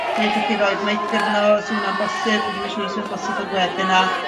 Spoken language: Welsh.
ne' 'llwch chi roi'r meic arno os yw wnna'n bosib. Wi ddim yn siwr os yw'n bosib ar webinar.